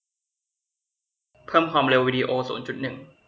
เพิ่มความเร็ววีดีโอศูนย์จุดหนึ่ง